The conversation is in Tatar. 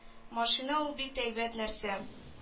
Машина ул бик әйбәт нәрсә